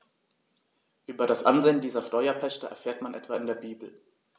Über das Ansehen dieser Steuerpächter erfährt man etwa in der Bibel.